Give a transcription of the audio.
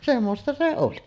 semmoista se oli